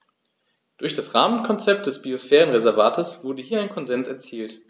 Durch das Rahmenkonzept des Biosphärenreservates wurde hier ein Konsens erzielt.